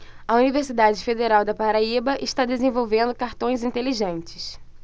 a universidade federal da paraíba está desenvolvendo cartões inteligentes